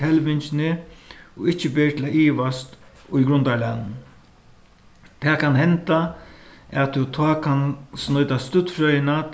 telvingini og ikki ber til at ivast í grundarlagnum tað kann henda at tú tá kanst nýta støddfrøðina